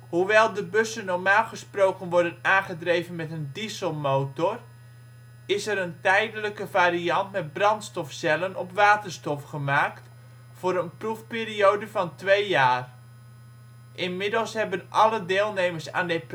Hoewel de bussen normaal gesproken worden aangedreven met een dieselmotor, is er een tijdelijke variant met brandstofcellen op waterstof gemaakt voor een proefperiode van twee jaar. Inmiddels hebben alle deelnemers aan